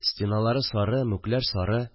Стеналар сары, мүкләр сары